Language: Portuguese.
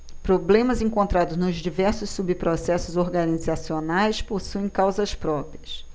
problemas encontrados nos diversos subprocessos organizacionais possuem causas próprias